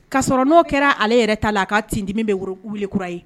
K kaasɔrɔ n'o kɛra ale yɛrɛ ta la a ka sindimi bɛ woro wili kura ye